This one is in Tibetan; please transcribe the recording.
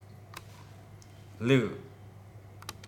བླུག